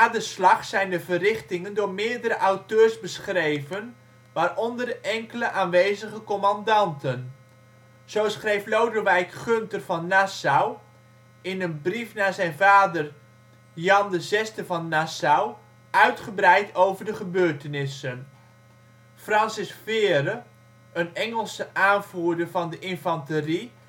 de slag zijn de verrichtingen door meerdere auteurs beschreven, waaronder enkele aanwezige commandanten. Zo schreef Lodewijk Gunther van Nassau, in een brief naar zijn vader Jan VI van Nassau uitgebreid over de gebeurtenissen. Francis Vere, een Engelse aanvoerder van de infanterie